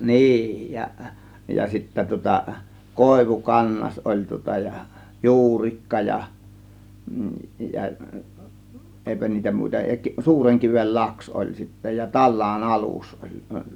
niin ja ja sitten tuota Koivukangas oli tuota ja Juurikka ja ja eipä niitä muita ja Suurenkiven laksi oli sitten ja Talaan alus oli